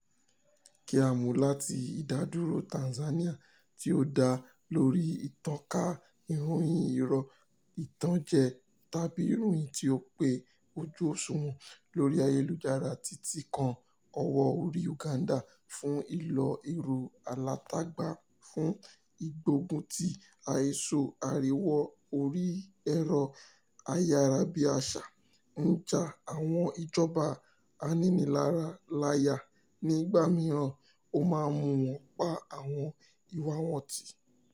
Kí a mú un láti Ìdádúró Tanzania tí ó dá lóríi ìtànká "ìròyìn irọ́, ìtànjẹ, tàbí ìròyìn tí ò pé ojú òṣùwọ̀n" lórí ayélujára títí kan owó-orí Uganda fún ìlò ẹ̀rọ-alátagbà fún ìgbógunti "àhesọ", ariwo orí ẹ̀rọ-ayárabíaṣá ń já àwọn ìjọba aninilára láyà. Ní ìgbà mìíràn, ó máa mú wọn pa àwọn ìwàa wọn tì.